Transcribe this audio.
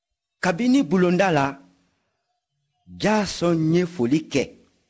kabini bulonda la jaason ye foli kɛ